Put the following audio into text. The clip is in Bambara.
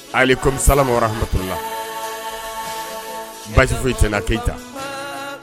Seku Ahmadu Bamba Aleyikum salaam wa rahmatoulahi baasi foyi tɛ ne n.na ,Keyita.